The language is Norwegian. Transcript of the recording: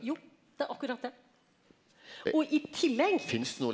jo det er akkurat det og i tillegg.